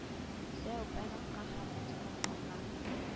Сәү бәновка һәм музыкантларга